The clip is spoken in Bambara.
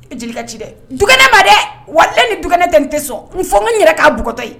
I jelikɛ ci dɛ du ne ma dɛ wa ni dug ne tɛ tɛ sɔn fɔ n ɲɛna k'a bugɔtɔ ye